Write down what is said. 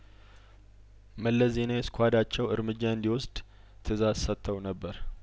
መለስ ዜናዊ ስኳዳቸው እርምጃ እንዲወስድ ትእዛዝ ሰጥተው ነበር